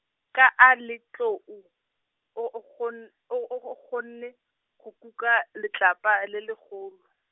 ka a le tlou, o o gon-, o o o gonne, go kuka, letlapa le legolo.